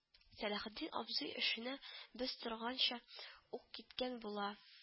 Сәләхетдин абзый эшенә без торганча ук киткән була